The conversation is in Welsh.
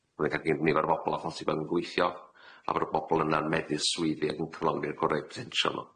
Wedyn ca'l nifer o bobol a phosib yn gweithio a ma' 'na bobol yna'n meddu swyddi ag yn cyflawni'r gore potensial nhw